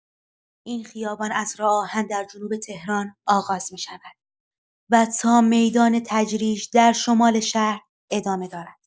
این خیابان از راه‌آهن در جنوب تهران آغاز می‌شود و تا میدان تجریش در شمال شهر ادامه دارد.